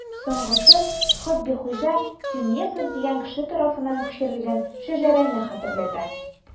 Соңгысы Хөббихуҗа Тюмесев дигән кеше тарафыннан күчерелгән шәҗәрәне хәтерләтә.